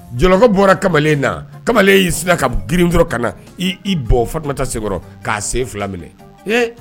Jɔlɔ bɔra kamalen na kamalen y'i ka grintɔ ka na i bɔ otumata se k'a sen fila minɛ